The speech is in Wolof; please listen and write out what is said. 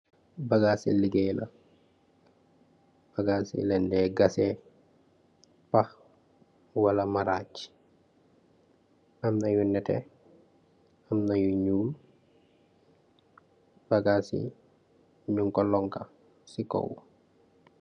Bagass shi legay lah. Bagass yee lenj deh gasseh pah, wala marach. Amna yu neteh amna yuh nyul, bagass yee nyung koh lonka si kaw